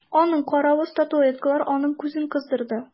Аның каравы статуэткалар аның күзен кыздырды.